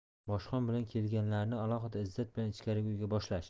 boshqon bilan kelganlarni alohida izzat bilan ichkariga uyga boshlashdi